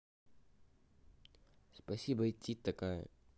спасибо идти такая